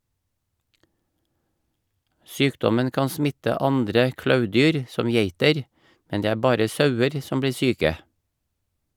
Sykdommen kan smitte andre klauvdyr som geiter , men det er bare sauer som blir syke.